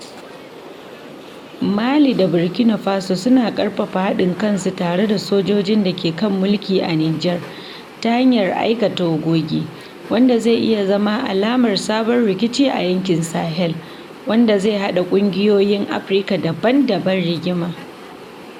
Mali da Burkina Faso suna ƙarfafa haɗin kansu tare da sojojin da ke kan mulki a Nijar ta hanyar aika tawagogi, wanda zai iya zama alamar sabon rikici a yankin Sahel wanda zai haɗa ƙungiyoyin Afirka daban-daban rigima.